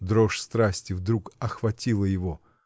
Дрожь страсти вдруг охватила его.